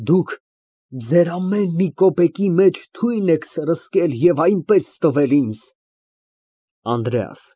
Դուք ձեր ամեն մի կոպեկի մեջ թույն եք սրսկել և այնպես տվել ինձ… ԱՆԴՐԵԱՍ ֊